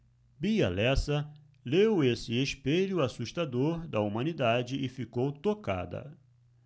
bia lessa leu esse espelho assustador da humanidade e ficou tocada